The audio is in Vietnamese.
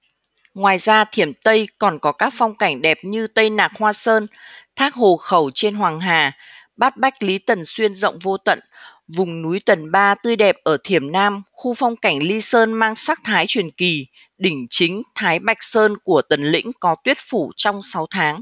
ngoài ra thiểm tây còn có các phong cảnh đẹp như tây nạc hoa sơn thác hồ khẩu trên hoàng hà bát bách lý tần xuyên rộng vô tận vùng núi tần ba tươi đẹp ở thiểm nam khu phong cảnh li sơn mang sắc thái truyền kì đỉnh chính thái bạch sơn của tần lĩnh có tuyết phủ trong sáu tháng